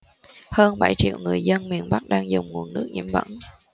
hơn bảy triệu người dân miền bắc đang dùng nguồn nước nhiễm bẩn